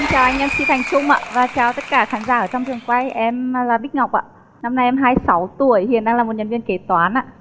xin chào anh em xi thành trung ạ và chào tất cả khán giả trong trường quay em là bích ngọc ạ năm nay em hai sáu tuổi hiện đang là một nhân viên kế toán ạ